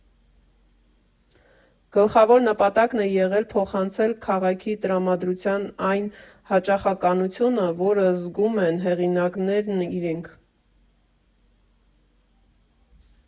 Գլխավոր նպատակն է եղել փոխանցել քաղաքի տրամադրության այն հաճախականությունը, որը զգում են հեղինակներն իրենք.